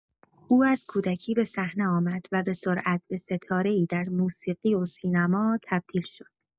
او از کودکی به صحنه آمد و به‌سرعت به ستاره‌ای در موسیقی و سینما تبدیل شد.